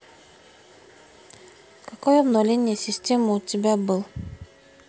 какое обновление системы у тебя был